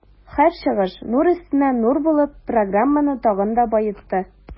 Һәр чыгыш нур өстенә нур булып, программаны тагын да баетты.